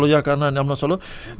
donc loolu yaakaar naa ni am na solo